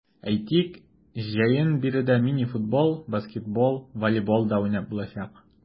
Әйтик, җәен биредә мини-футбол, баскетбол, волейбол да уйнап булачак.